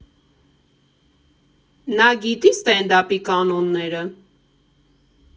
Նա գիտի՞ սթենդափի կանոնները։